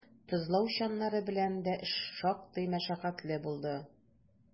Тозлау чаннары белән дә эш шактый мәшәкатьле булды.